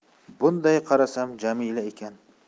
bunday qarasam jamila ekan